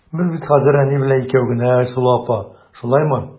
Без бит хәзер әни белән икәү генә, Айсылу апа, шулаймы?